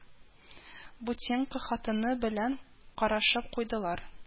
Бутенко хатыны белән карашып куйдылар